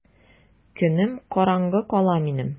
Көнем караңгы кала минем!